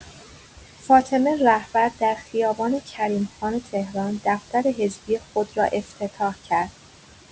فاطمه رهبر در خیابان کریمخان تهران دفتر حزبی خود را افتتاح کرد.